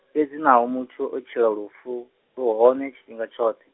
fhedzi naho muthu o tshila lufu, lu hone tshifhinga tshoṱhe.